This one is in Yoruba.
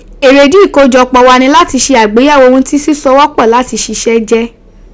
Eredi ikojopo wa ni lati se agbeyewo ohun ti sisowopo lati sise je.